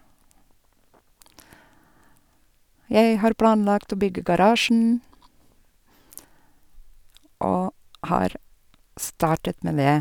Jeg har planlagt å bygge garasjen, og har startet med det.